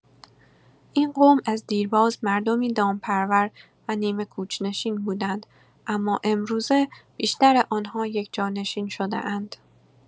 این قوم از دیرباز مردمی دامپرور و نیمه‌کوچ‌نشین بودند، اما امروزه بیشتر آن‌ها یکجانشین شده‌اند.